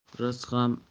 rizq ham azaliy